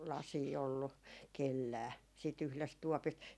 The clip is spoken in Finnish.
lasia ollut kenelläkään siitä yhdestä tuopista